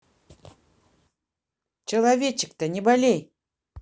человечек то не болей